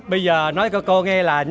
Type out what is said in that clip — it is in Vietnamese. bây giờ nói cho cô nghe là